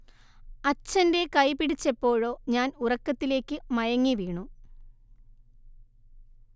അച്ഛന്റെ കൈപിടിച്ച് എപ്പോഴോ ഞാൻ ഉറക്കത്തിലേക്കു മയങ്ങിവീണു